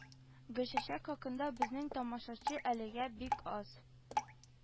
Гөлчәчәк хакында безнең тамашачы әлегә бик аз